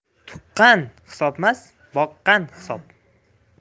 tuqqan hisobmas boqqan hisob